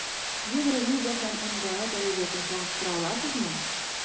Евролига һәм НБА дәрәҗәсен чагыштыра аласызмы?